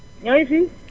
ñoo ngi fi